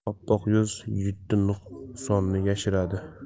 oppoq yuz yetti nuqsonni yashiradi